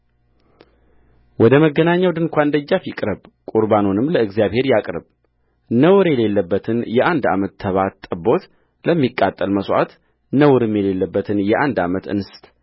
ወደ መገናኛው ድንኳን ደጃፍ ይቅረብቍርባኑንም ለእግዚአብሔር ያቅርብ ነውር የሌለበት የአንድ ዓመት ተባት ጠቦት ለሚቃጠል መሥዋዕት ነውርም የሌለባትን የአንድ ዓመት እንስት